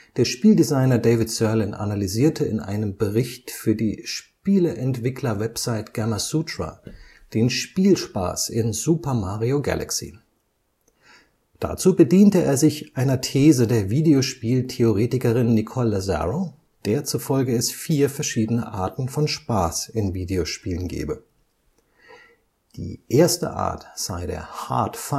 Der Spieldesigner David Sirlin analysierte in einem Bericht für die Spieleentwicklerwebsite Gamasutra den Spielspaß in Super Mario Galaxy. Dazu bediente er sich einer These der Videospieltheoretikerin Nicole Lazzaro, der zufolge es vier verschiedene Arten von Spaß in Videospielen gebe. Die erste Art sei der „ Hard Fun